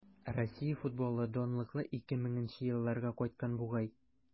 Россия футболы данлыклы 2000 нче елларга кайткан бугай.